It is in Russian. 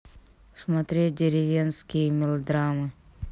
смотреть деревенские мелодрамы